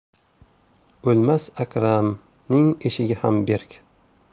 o'lmas akramning eshigi ham berk